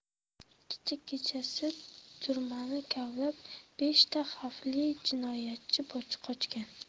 kecha kechasi turmani kavlab beshta xavfli jinoyatchi qochgan